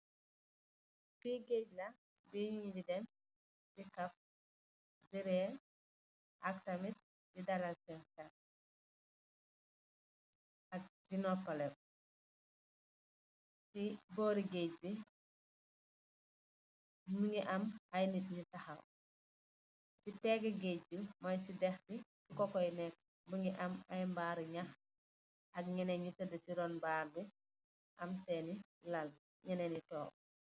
Fii geege la, fi nit ñi di dem di kaf di ree, ak tamit di dala seen xel ak di noopaleku. Si boor i geege bi, mu ngi am ay nit ñu taxaw si peegë geege gi, mooy si dex bi, fu kooko yi neek, mu ngi am ay mbaari i ñax, ñenen yu tëddë si seen lal, ñenen yi toog.